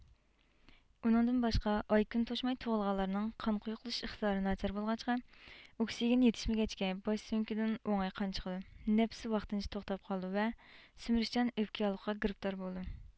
ئۇنىڭدىن باشقا ئاي كۈنى توشماي تۇغۇلغانلارنىڭ قان قويۇقلىشىش ئىقتىدارى ناچار بولغاچقا ئوكسىگېن يېتىشمىگەچكە باش سۆڭىكىدىن ئوڭاي قان چىقىدۇ نەپسى ۋاقىتىنىچە توختاپ قالىدۇ ۋە سۈمۈرۈشچان ئۆپكە ياللۇغىغا گىرىپتار بولىدۇ